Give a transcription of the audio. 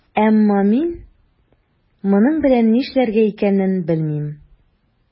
Әмма мин моның белән нишләргә икәнен белмим.